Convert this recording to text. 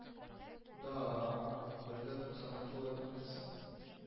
Да-а-а, бер дә туксаны тула димәссең